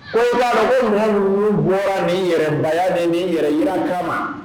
Ko kaba mɔgɔ ninnu bɔra ni yɛrɛbayaya ni ni yɛrɛ yiran kama ma